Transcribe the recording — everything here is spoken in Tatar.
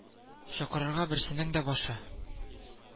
Чакырырга берсенең дә башы